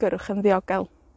Gyrrwch yn ddiogel.